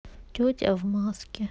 тетя в маске